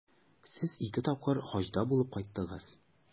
Сез ике тапкыр Хаҗда булып кайттыгыз.